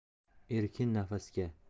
erkin nafasga